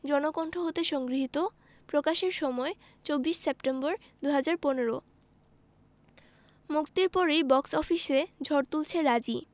জনকণ্ঠ হতে সংগৃহীত প্রকাশের সময় ২৪ সেপ্টেম্বর ২০১৫ মুক্তির পরই বক্স অফিসে ঝড় তুলেছে রাজি